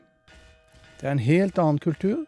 Det er en helt annen kultur.